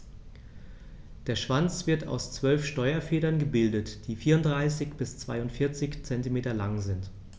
Der Schwanz wird aus 12 Steuerfedern gebildet, die 34 bis 42 cm lang sind.